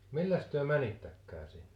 milläs te menittekään sinne